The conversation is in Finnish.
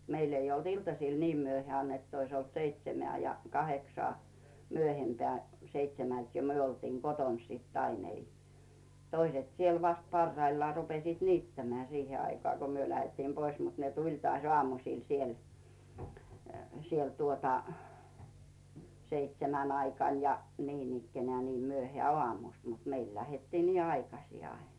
meillä ei ollut iltasilla niin myöhään että olisi ollut seitsemää ja kahdeksaa myöhempään seitsemältä jo me oltiin kotona sitten aina ei toiset siellä vasta parhaillaan rupesivat niittämään siihen aikaan kun me lähdettiin pois mutta ne tuli taas aamusilla siellä siellä tuota seitsemän aikana ja niin ikään niin myöhään aamusta mutta meillä lähdettiin niin aikaisin aina